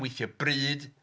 Weithiau 'bryd'.